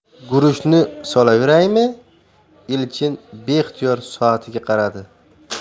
guruchni solaveraymi elchin beixtiyor soatiga qaradi